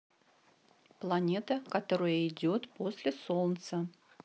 планета которая идет после солнца